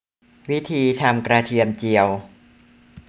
วิธีทำกระเทียมเจียว